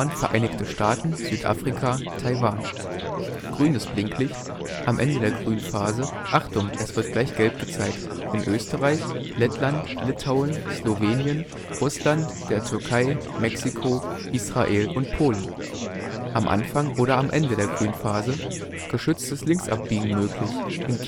Vereinigte Staaten, Südafrika, Taiwan) Grünes Blinklicht: Am Ende der Grünphase: Achtung, es wird gleich Gelb gezeigt in Österreich, Lettland, Litauen, Slowenien, Russland, der Türkei, Mexiko, Israel und Polen. Am Anfang oder am Ende der Grünphase: Geschütztes Linksabbiegen möglich in